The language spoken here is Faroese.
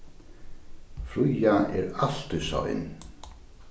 fríða er altíð sein